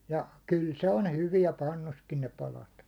ja kyllä se on hyvää pannussakin ne palat